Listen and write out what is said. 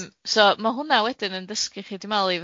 Yym so ma' hwnna wedyn yn dysgu chi dwi'n me'l i